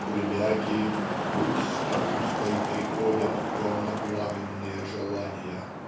кулебяки, гусь с капустой переходят в темно-пламенные желания".